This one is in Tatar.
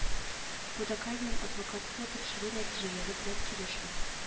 Кудакаевның адвокаты да тикшерү нәтиҗәләре белән килешми